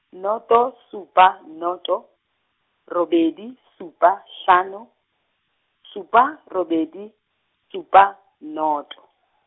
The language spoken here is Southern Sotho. noto supa noto, robedi supa hlano, supa robedi, supa noto.